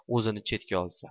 o'zini chetga olsa